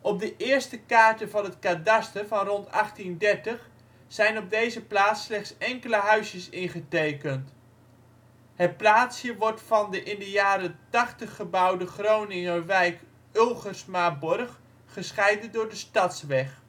Op de eerste kaarten van het Kadaster van rond 1830 zijn op deze plaats slechts enkele huisjes ingetekend. Het plaatsje wordt van de in de jaren ' 80 gebouwde Groninger wijk Ulgersmaborg, gescheiden door de Stadsweg